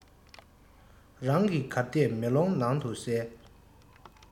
རང གིས གར བལྟས མེ ལོང ནང དུ གསལ